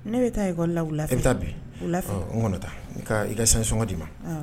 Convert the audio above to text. Ne bɛ taa ikɔ la bɛ taa bin n kɔnɔta i ka sansɔngɔ d'i ma